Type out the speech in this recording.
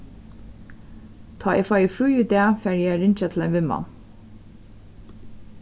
tá eg fái frí í dag fari eg at ringja til ein vinmann